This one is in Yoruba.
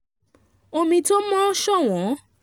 Omi tó mọ́ ṣọ̀wọ́n."